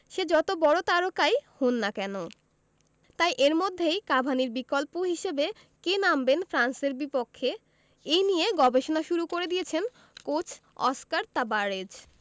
সে যত বড় তারকাই হোন না কেন তাই এর মধ্যেই কাভানির বিকল্প হিসেবে কে নামবেন ফ্রান্সের বিপক্ষে এই নিয়ে গবেষণা শুরু করে দিয়েছেন কোচ অস্কার তাবারেজ